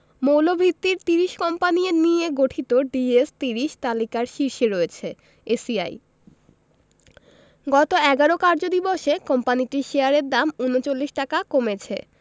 মৌলভিত্তির ৩০ কোম্পানি নিয়ে গঠিত ডিএস ৩০ তালিকার শীর্ষে রয়েছে এসিআই গত ১১ কার্যদিবসে কোম্পানিটির শেয়ারের দাম ৩৯ টাকা কমেছে